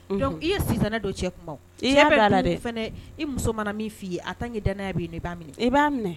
Dɔnkuc i ye sisanɛ don cɛ kuma b' la dɛ i muso mana min f' i ye a taa n' da' b'a minɛ i b'a minɛ